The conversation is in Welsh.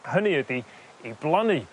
hynny ydi i blannu